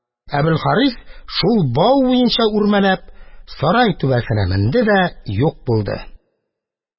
Әбелхарис, шул бау буенча үрмәләп, сарай түбәсенә менде дә юк булды.